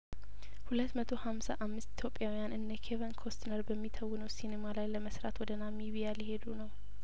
ሁለት መቶ ሀምሳ አምስት ኢትዮጵያውያን እነኬቨንኮስትነር በሚተውኑበት ሲኒማ ላይ ለመስራት ወደ ናምቢያሊ ሄዱ ነው